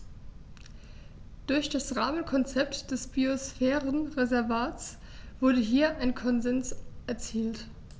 Durch das Rahmenkonzept des Biosphärenreservates wurde hier ein Konsens erzielt.